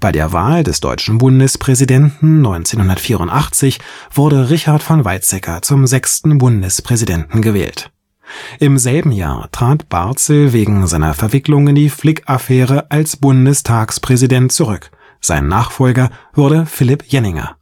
der Wahl des deutschen Bundespräsidenten 1984 wurde Richard von Weizsäcker zum sechsten Bundespräsidenten gewählt. Im selben Jahr trat Barzel wegen seiner Verwicklung in die Flick-Affäre als Bundestagspräsident zurück, sein Nachfolger wurde Philipp Jenninger